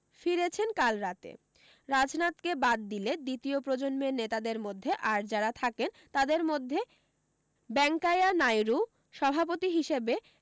ফিরেছেন কাল রাতে রাজনাথকে বাদ দিলে দ্বিতীয় প্রজন্মের নেতাদের মধ্যে আর যারা থাকেন তাদের মধ্যে বেঙ্কাইয়া নায়ডু সভাপতি হিসাবে